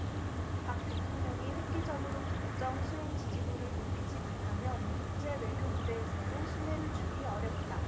박 대통령이 획기적으로 국정수행지지도를 높이지 못하면 국제 외교 무대에서도 신뢰를 주기 어렵다